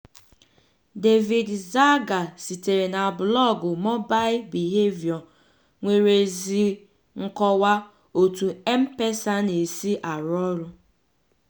David Zarraga, sitere na blọọgụ Mobile Behavior nwere ezi nkọwa otu M-Pesa na-esi arụ ọrụ.